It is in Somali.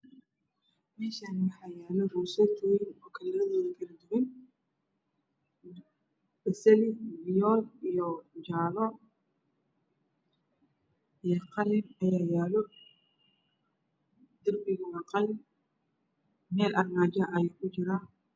Meeshaan waxaa yaalo rooseeytooyin kalaradoodu kala duwan yihiin sida basali, fiyool iyo jaalo iyo qalin ayaa yaalo. Darbiguna waa qalin meel armaajo ah ayay kujiraan.